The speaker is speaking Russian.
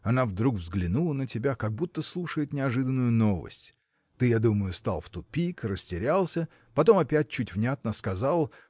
Она вдруг взглянула на тебя, как будто слушает неожиданную новость ты я думаю стал в тупик растерялся потом опять чуть внятно сказал